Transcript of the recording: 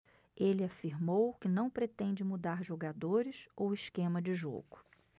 ele afirmou que não pretende mudar jogadores ou esquema de jogo